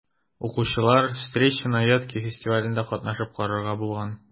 Укучылар «Встречи на Вятке» фестивалендә дә катнашып карарга булган.